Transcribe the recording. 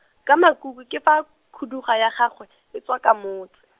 ka makuku ke fa, khuduga ya gagwe, e tswa ka motse.